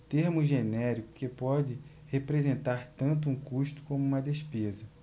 termo genérico que pode representar tanto um custo como uma despesa